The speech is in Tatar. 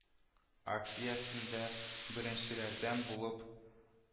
Акциясендә беренчеләрдән булып